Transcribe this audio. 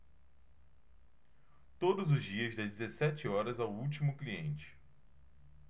todos os dias das dezessete horas ao último cliente